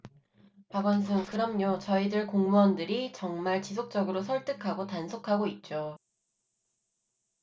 박원순 그럼요 저희들 공무원들이 정말 지속적으로 설득하고 단속하고 있죠